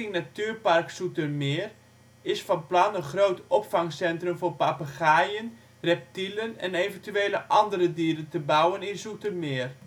Natuurpark Zoetermeer (S.N.Z.) is van plan een groot opvangcentrum voor papegaaien, reptielen en eventuele andere dieren te bouwen in Zoetermeer